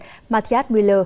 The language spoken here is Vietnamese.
ma thi át mui lơ